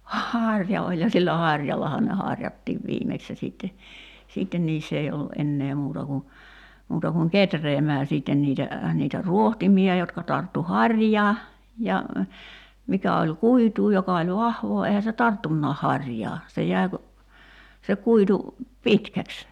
harja oli ja sillä harjallahan ne harjattiin viimeksi ja sitten sitten niissä ei ollut enää muuta kuin muuta kuin kehräämään sitten niitä niitä rohtimia jotka tarttui harjaan ja mikä oli kuitua joka oli vahvaa eihän se tarttunutkaan harjaa se jäi kun se kuitu pitkäksi